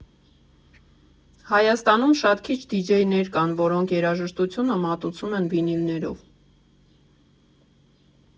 Հայաստանում շատ քիչ դիջեյներ կան, որոնք երաժշտությունը մատուցում են վինիլներով։